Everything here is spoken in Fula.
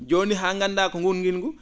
jooni haa nganndaa ko nguun ngilngu